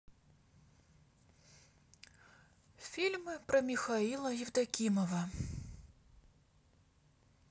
фильмы про михаила евдокимова